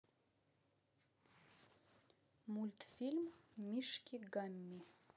мультфильм мишки гамми